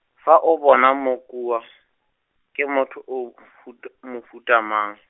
fa o bona Mokoa, ke motho o futu- mofuta mang?